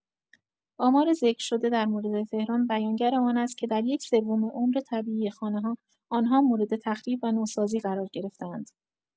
آمار ذکر شده در مورد تهران، بیانگر آن است که در یک‌سوم عمر طبیعی خانه‌ها، آن‌ها مورد تخریب و نوسازی قرار گرفته‌اند.